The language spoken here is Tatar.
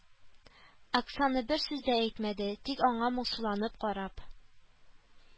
Оксана бер сүз дә әйтмәде, тик аңа моңсуланып карап